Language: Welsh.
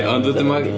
Ond wedyn mae...